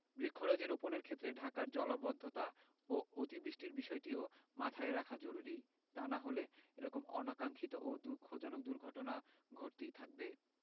বৃক্ষরাজি রোপণের ক্ষেত্রে ঢাকার জলাবদ্ধতা ও অতি বৃষ্টির বিষয়টিও মাথায় রাখা জরুরী তা না হলে এ রকম অনাকাংক্ষিত ও দুঃখজনক দুর্ঘটনা ঘটতেই থাকবে